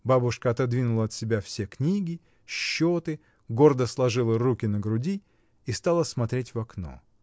Бабушка отодвинула от себя все книги, счеты, гордо сложила руки на груди и стала смотреть в окно.